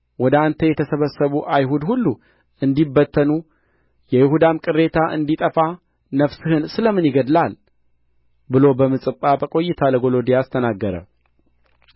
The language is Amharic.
ወደ አንተ የተሰበሰቡ አይሁድ ሁሉ እንዲበተኑ የይሁዳም ቅሬታ እንዲጠፋ ነፍስህን ስለ ምን ይገድላል ብሎ በምጽጳ በቆይታ ለጎዶልያስ ተናገረ